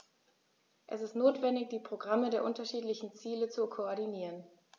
Es ist notwendig, die Programme der unterschiedlichen Ziele zu koordinieren.